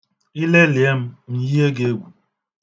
I lelie m, m yie gị egwu.